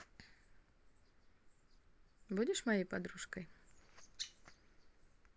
будешь моей подружкой